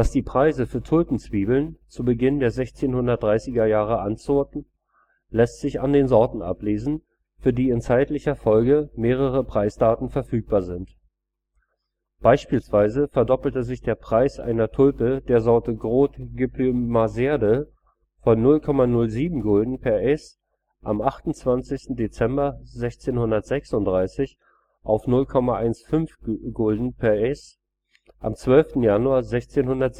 die Preise für Tulpenzwiebeln zu Beginn der 1630er Jahre anzogen, lässt sich an den Sorten ablesen, für die in zeitlicher Folge mehrere Preisdaten verfügbar sind. Beispielsweise verdoppelte sich der Preis einer Tulpe der Sorte Groot Gepluymaseerde von 0,07 Gulden per Aes am 28. Dezember 1636 auf 0,15 Gulden per Aes am 12. Januar 1637. Der